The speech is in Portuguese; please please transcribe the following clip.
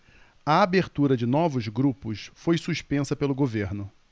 a abertura de novos grupos foi suspensa pelo governo